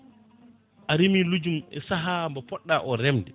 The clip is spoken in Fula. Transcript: a reemi lijumaji e saaha mbo poɗɗa o remde